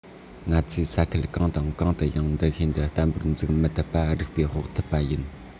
ང ཚོས ས ཁུལ གང དང གང དུ ཡང འདུ ཤེས འདི བརྟན པོར འཛུགས མི ཐུབ པ རིགས པས དཔོག ཐུབ པ ཡིན